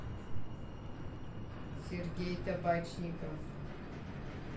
сергей табачников